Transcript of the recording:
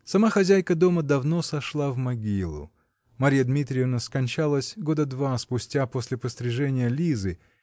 Сама хозяйка дома давно сошла в могилу: Марья Дмитриевна скончалась года два спустя после пострижения Лизы